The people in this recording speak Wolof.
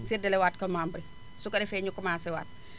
séddalewaat ko membres yi su ko defee ñu commencé waat